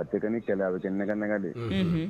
A tɛ ni kɛlɛ ye , a bɛ kɛ ni nɛgɛnɛli de ye